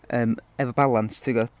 yym, efo balans timod?